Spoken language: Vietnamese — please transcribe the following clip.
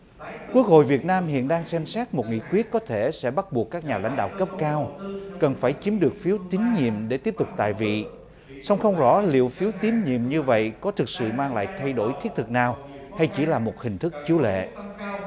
quốc hội việt nam hiện đang xem xét một nghị quyết có thể sẽ bắt buộc các nhà lãnh đạo cấp cao cần phải chiếm được phiếu tín nhiệm để tiếp tục tại vị song không rõ liệu phiếu tín nhiệm như vậy có thực sự mang lại thay đổi thiết thực nào hay chỉ là một hình thức chiếu lệ